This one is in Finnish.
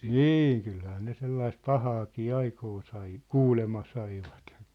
niin kyllähän ne sellaista pahaakin aikaan sai kuulemma saivat